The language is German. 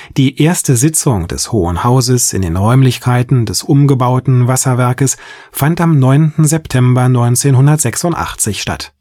Die erste Sitzung des Hohen Hauses in den Räumlichkeiten des umgebauten Wasserwerkes fand am 9. September 1986 statt